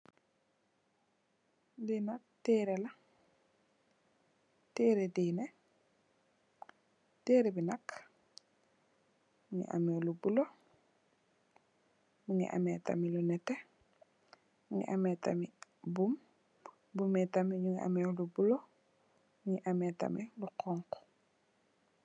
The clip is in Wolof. Li nak teré la teré diina, teré bi nak mugii ameh lu bula, mugii ameh tamit lu netteh, mugii ameh tamit buum, buum yi tamit ñu ngi ameh lu bula, mugii ameh tamit lu xonxu.